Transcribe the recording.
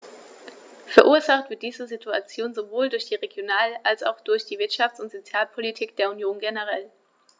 Verursacht wird diese Situation sowohl durch die Regional- als auch durch die Wirtschafts- und Sozialpolitik der Union generell.